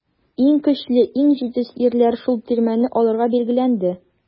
Иң көчле, иң җитез ирләр шул тирмәне алырга билгеләнде.